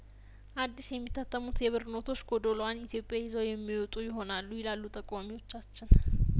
አዲስ የሚታተሙት የብር ኖቶች ጐዶሎዋን ኢትዮጵያ ይዘው የሚወጡ ይሆናሉ ይላሉ ጠቋሚ ዎቻችን